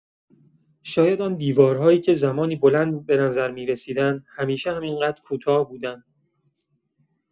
شاید آن دیوارهایی که زمانی بلند به نظر می‌رسیدند، همیشه همین‌قدر کوتاه بودند.